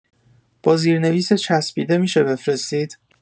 با زیرنویس چسبیده می‌شه بفرستید